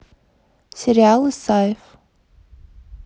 сериал исаев